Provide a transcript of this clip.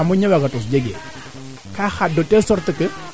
parce que awaa refee o qol le yaaje xayne o bug mayu